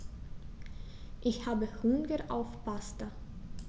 Ich habe Hunger auf Pasta.